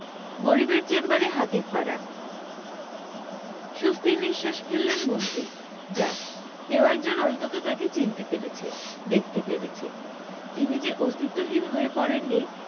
গরিবের চেম্বারে হাতির পাড়া স্বস্তির নিশ্বাস ফেললেন মন্ত্রী যাক কেউ একজন অন্তত তাঁকে চিনতে পেরেছে দেখতে পেরেছে তিনি যে অস্তিত্বহীন হয়ে পড়েননি